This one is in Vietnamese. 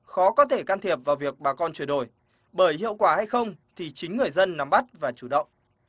khó có thể can thiệp vào việc bà con chuyển đổi bởi hiệu quả hay không thì chính người dân nắm bắt và chủ động